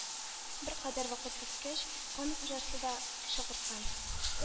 Беркадәр вакыт үткәч, хан Хуҗаны да чакырткан